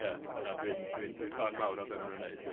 Ia, na dwi'n dwi'n dwi'n ffan mawr o be maen nhw'n wneud.